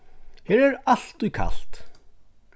her er altíð kalt